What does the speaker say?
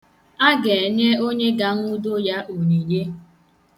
A ga-enye onye ga-anwụdo ya onyinye.